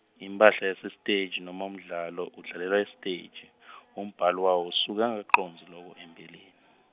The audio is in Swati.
imphahla yasesiteji noma umdlalo, udlalelwa esiteji , umbhali wawo usuke angakacondzi loko empeleni.